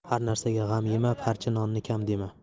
har narsaga g'am yema parcha nonni kam yema